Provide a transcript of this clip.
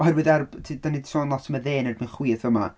Oherwydd er ti- dan ni 'di sôn lot am y dde yn erbyn chwith yn fan yma...